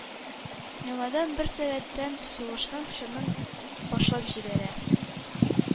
Яңадан бер сәгатьтән сугышның чынын башлап җибәрә.